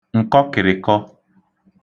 ǹkọkị̀rịkọ